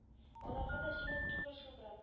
Аларга да җиңел түгел шул брат